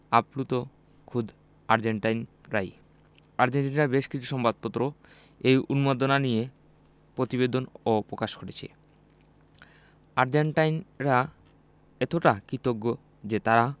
আপ্লুত খোদ আর্জেন্টাইনরাই আর্জেন্টিনার বেশ কিছু সংবাদপত্র এই উন্মাদনা নিয়ে প্রতিবেদনও প্রকাশ করেছে আর্জেন্টাইনরা এতটাই কৃতজ্ঞ যে তাঁরা